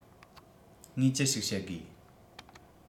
ངས ཅི ཞིག བཤད དགོས